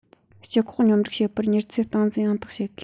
སྤྱི ཁོག སྙོམས སྒྲིག བྱེད པའི མྱུར ཚད སྟངས འཛིན ཡང དག བྱེད དགོས